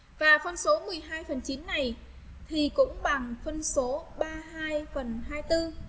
và phân số này thì cũng bằng phân số phần